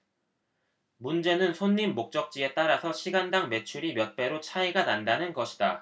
문제는 손님 목적지에 따라서 시간당 매출이 몇 배로 차이가 난다는 것이다